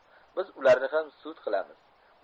biz ularni ham sud qilamiz